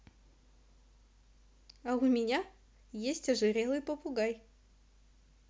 а у меня есть ожирелый попугай